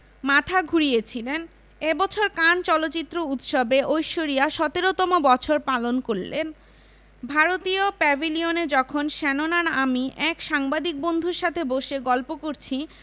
মাথা ঘুরিয়েছিলেন এ বছর কান চলচ্চিত্র উৎসবে ঐশ্বরিয়া ১৭তম বছর পালন করলেন ভারতীয় প্যাভিলিয়নে যখন শ্যানন আর আমি এক সাংবাদিক বন্ধুর সাথে বসে গল্প করছি